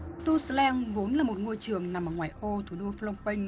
tu sờ leng vốn là một ngôi trường nằm ở ngoại ô thủ đô phờ rôm pênh